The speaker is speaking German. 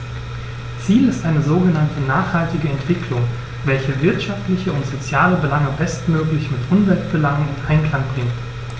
Ziel ist eine sogenannte nachhaltige Entwicklung, welche wirtschaftliche und soziale Belange bestmöglich mit Umweltbelangen in Einklang bringt.